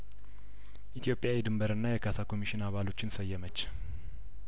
ኢትዮጵያ የድንበርና የካሳ ኮሚሽን አባሎችን ሰየመች